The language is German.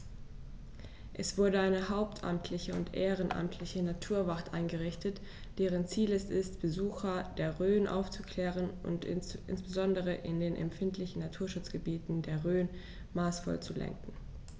Es wurde eine hauptamtliche und ehrenamtliche Naturwacht eingerichtet, deren Ziel es ist, Besucher der Rhön aufzuklären und insbesondere in den empfindlichen Naturschutzgebieten der Rhön maßvoll zu lenken.